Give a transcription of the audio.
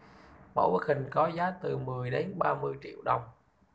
mỗi bức hình có giá từ mười đến ba mươi triệu đồng